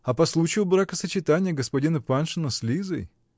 -- А по случаю бракосочетания господина Паншина с Лизой.